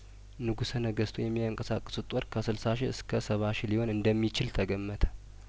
ንጉሰ ነገስቱ የሚያንቀሳቅሱት ጦር ከስልሳ ሺ እስከ ሰባ ሺ ሊሆን እንደሚችል ተገመተ